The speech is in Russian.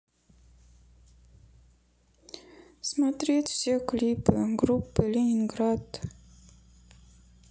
смотреть все клипы группы ленинград